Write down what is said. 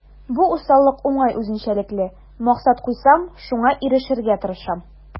Бу усаллык уңай үзенчәлекле: максат куйсам, шуңа ирешергә тырышам.